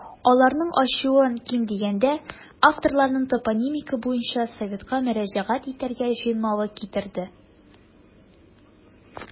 Аларның ачуын, ким дигәндә, авторларның топонимика буенча советка мөрәҗәгать итәргә җыенмавы китерде.